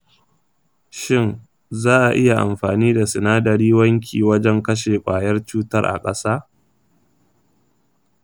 shin za a iya amfani da sinadari wanki wajen kashe kwayar cutar a ƙasa ?